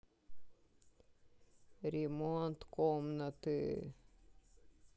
ремонт комнаты